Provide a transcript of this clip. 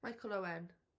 Michael Owen...